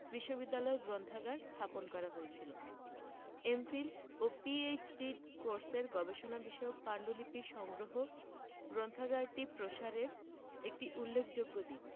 বিশ্ববিদ্যালয় গ্রন্থাগার স্থাপন করা হয়েছিল এম.ফিল ও পিএইচ.ডি কোর্সের গবেষণা বিষয়ক পান্ডুলিপি সংগ্রহ গ্রন্থাগারটি প্রসারের একটি উল্লেখযোগ্য দিক